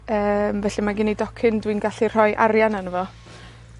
Yym felly mae gen i docyn dwi'n gallu rhoi arian arno fo.